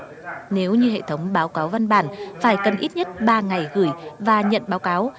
nếu như hệ thống báo cáo văn bản phải cần ít nhất ba ngày gửi và nhận báo cáo